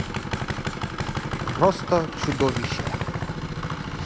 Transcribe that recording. просто чудовища